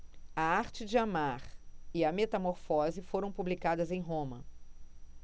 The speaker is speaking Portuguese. a arte de amar e a metamorfose foram publicadas em roma